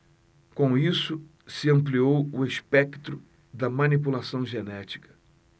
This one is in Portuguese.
com isso se ampliou o espectro da manipulação genética